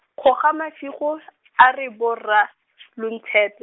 Kgogamasigo, a re Borra, lo ntshepe.